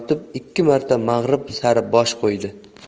yoritib ikki marta mag'rib sari bosh qo'ydi